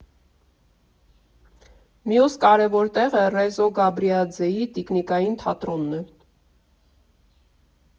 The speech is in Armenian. Մյուս կարևոր տեղը Ռեզո Գաբրիաձեի տիկնիկային թատրոնն է։